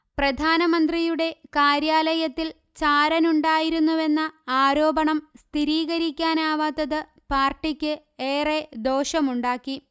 പ്രധാനമന്ത്രിയുടെ കാര്യാലയത്തിൽ ചാരനുണ്ടായിരുന്നുവെന്ന ആരോപണം സ്ഥീരീകരിക്കാനാവാത്തത് പാർട്ടിക്ക് ഏറെ ദോഷമുണ്ടാക്കി